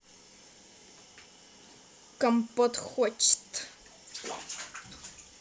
компот хочет